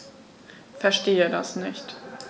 Verstehe das nicht.